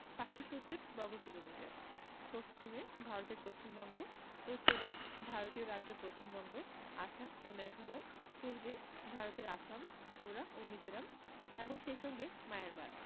৫৭০বর্গকিলোমিটার পশ্চিমে ভারতের পশ্চিমবঙ্গ উত্তরে ভারতীয় রাজ্য পশ্চিমবঙ্গ আসাম ও মেঘালয় পূর্বে ভারতের আসাম ত্রিপুরা ও মিজোরাম এবং সেই সঙ্গে মায়ানমার